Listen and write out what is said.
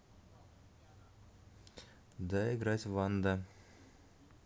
да играть ванда